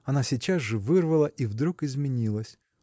она сейчас же вырвала – и вдруг изменилась.